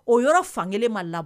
O yɔrɔ faŋelen ma lab